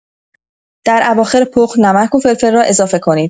در اواخر پخت، نمک و فلفل را اضافه کنید.